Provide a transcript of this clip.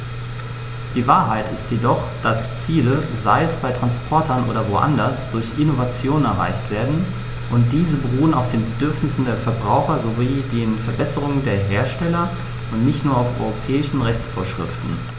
Die Wahrheit ist jedoch, dass Ziele, sei es bei Transportern oder woanders, durch Innovationen erreicht werden, und diese beruhen auf den Bedürfnissen der Verbraucher sowie den Verbesserungen der Hersteller und nicht nur auf europäischen Rechtsvorschriften.